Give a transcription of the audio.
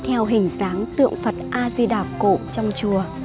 theo hình dáng tượng a di đà cổ trong chùa